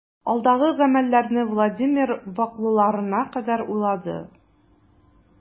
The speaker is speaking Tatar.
Алдагы гамәлләрне Владимир ваклыкларына кадәр уйлады.